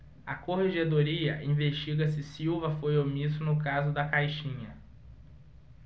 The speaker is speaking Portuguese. a corregedoria investiga se silva foi omisso no caso da caixinha